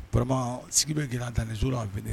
Sigi bɛ gɛlɛ ta ni so a bɛ